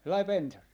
sellainen pensas